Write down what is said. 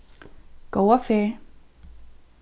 góða ferð